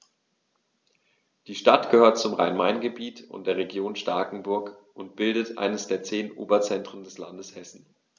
Die Stadt gehört zum Rhein-Main-Gebiet und der Region Starkenburg und bildet eines der zehn Oberzentren des Landes Hessen.